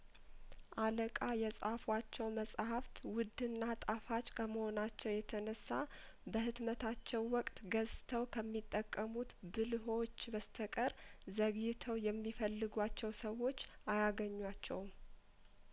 አለቃ የጻፏቸው መጽሀፍት ውድና ጣፋጭ ከመሆ ናቸው የተነሳ በህትመታቸው ወቅት ገዝተው ከሚጠቀሙት ብልህዎች በስተቀር ዘግይተው የሚፈልጓቸው ሰዎች አያገኟቸውም